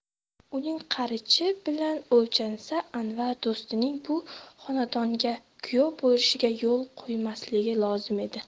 uning qarichi bilan o'lchansa anvar do'stining bu xonadonga kuyov bo'lishiga yo'l qo'ymasligi lozim edi